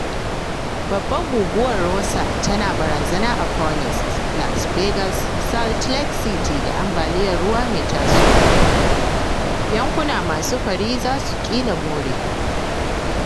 Babbar Guguwar Rosa Tana Barazana a Phoenix, Las Vegas, Salt Lake City Da Ambaliyar Ruwa Mai Tasowa (Yankuna Masu Fari Za Su Ƙila More)